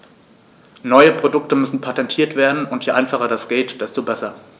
Neue Produkte müssen patentiert werden, und je einfacher das geht, desto besser.